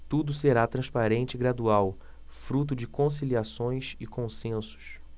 tudo será transparente e gradual fruto de conciliações e consensos